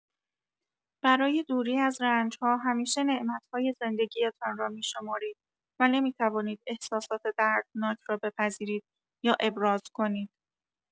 برای دوری از رنج‌ها همیشه نعمت‌های زندگی‌تان را می‌شمارید و نمی‌توانید احساسات دردناک را بپذیرید یا ابراز کنید.